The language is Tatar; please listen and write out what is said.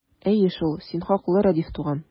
Әйе шул, син хаклы, Рәдиф туган!